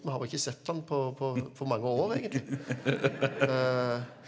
vi har ikke sett han på på på mange år egentlig .